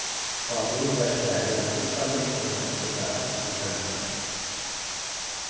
fá bilverkstaðið at stilla lyktirnar so tær altíð tendra